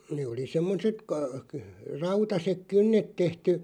ne oli semmoiset -- rautaiset kynnet tehty